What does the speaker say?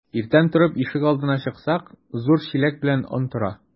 Иртән торып ишек алдына чыксак, зур чиләк белән он тора.